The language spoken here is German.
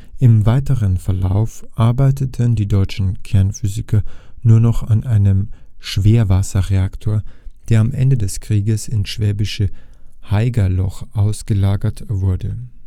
Im weiteren Verlauf arbeiteten die deutschen Kernphysiker nur noch an einem Schwerwasserreaktor, der am Ende des Krieges ins schwäbische Haigerloch ausgelagert wurde